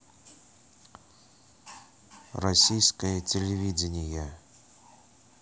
российское телевидение